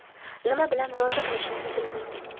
nima bilan rozi qilishimni bilmayman